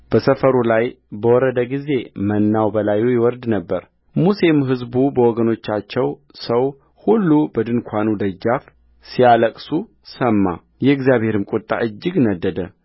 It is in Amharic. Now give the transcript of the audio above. በሰፈሩ ላይ በወረደ ጊዜ መናው በላዩ ይወርድ ነበርሙሴም ሕዝቡ በወገኖቻቸው ሰው ሁሉ በድንኳኑ ደጃፍ ሲያለቅሱ ሰማ የእግዚአብሔርም ቍጣ እጅግ ነደደ